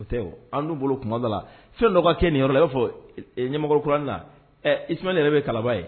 O tɛ o, annu bolo tuma dɛ la, fɛn dɔ ka kɛ nin yɔrɔ i b'a fɔ Ɲamakɔkɔ kuranin na ɛ Isimayɛli yɛrɛ bɛ Kalaban yen